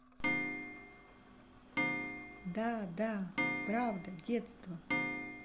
да да правда детство